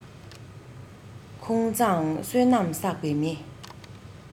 ཁོང མཛངས བསོད ནམས བསགས པའི མི